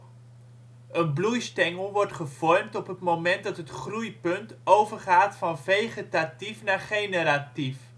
Een bloeistengel wordt gevormd op het moment dat het groeipunt overgaat van vegetatief naar generatief